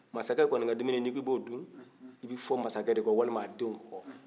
masakɛ kɔni ka dumini ni i k'i b'o dun i be fɔ masakɛ de kɔ walima a denw kɔ